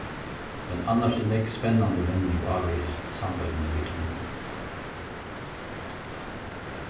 men annars er nógv spennandi menning ávegis sandoynni við tunlinum